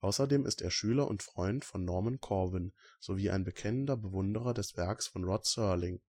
Außerdem ist er Schüler und Freund von Norman Corwin sowie ein bekennender Bewunderer des Werks von Rod Serling